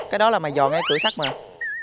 cái đó là mày dò ngay cửa sắt mà